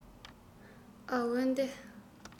འོན ཏེ